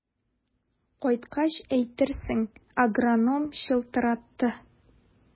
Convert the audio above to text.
Кайткач әйтерсең, агроном чылтыратты.